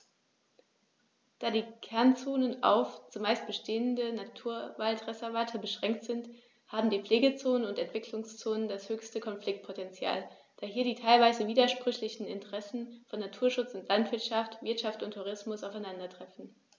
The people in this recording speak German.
Da die Kernzonen auf – zumeist bestehende – Naturwaldreservate beschränkt sind, haben die Pflegezonen und Entwicklungszonen das höchste Konfliktpotential, da hier die teilweise widersprüchlichen Interessen von Naturschutz und Landwirtschaft, Wirtschaft und Tourismus aufeinandertreffen.